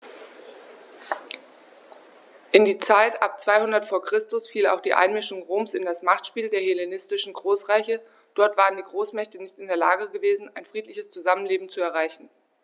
In die Zeit ab 200 v. Chr. fiel auch die Einmischung Roms in das Machtspiel der hellenistischen Großreiche: Dort waren die Großmächte nicht in der Lage gewesen, ein friedliches Zusammenleben zu erreichen.